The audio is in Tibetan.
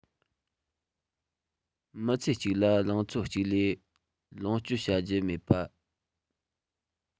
མི ཚེ གཅིག ལ ལང ཚོ གཅིག ལས ལོངས སྤྱོད བྱ རྒྱུ མེད པ